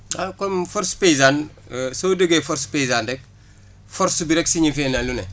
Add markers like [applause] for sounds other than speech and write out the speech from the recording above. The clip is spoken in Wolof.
[smacks lips] waaw comme force paysane soo déggee force paysane rek force bi rek signifié na lu ne